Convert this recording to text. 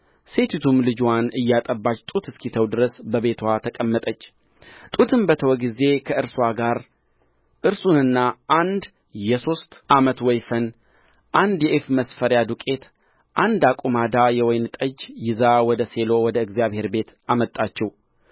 ሴቲቱም ልጅዋን እያጠባች ጡት እስኪተው ድረስ በቤትዋ ተቀመጠች ጡትም በተወ ጊዜ ከእርስዋ ጋር እርሱንና አንድ የሦስት ዓመት ወይፈን አንድ የኢፍ መስፈሪያ ዱቄት አንድ አቁማዳ የወይን ጠጅ ይዛ ወደ ሴሎ ወደ እግዚአብሔር ቤት አመጣችው